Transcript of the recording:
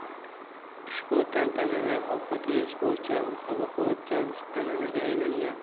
ushbu tantanada ovqat yeyish bo'yicha musobaqa o'tkazish an'anaga aylangan